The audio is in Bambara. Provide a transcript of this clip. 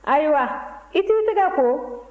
ayiwa i t'i tɛgɛ ko